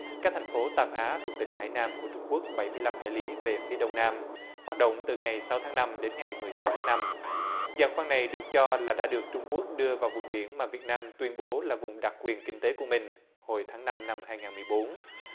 cách thành phố tam á thuộc tỉnh hải nam của trung quốc bảy mươi lăm hải lý về phía đông nam hoạt động từ ngày sáu tháng năm đến ngày mười sáu tháng năm giàn khoan này được cho là đã được trung quốc đưa vào vùng biển mà việt nam tuyên bố là vùng đặc quyền kinh tế của mình hồi tháng năm năm hai ngàn mười bốn